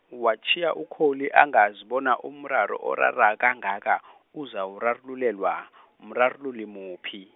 watjhiya Ukholi angazi bona umraro orara kangaka , uzawurarululelwa, mrarululi muphi.